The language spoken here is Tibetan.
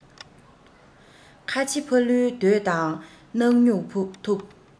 ཁ ཆེ ཕ ལུའི འདོད དང སྣག སྨྱུག ཐུག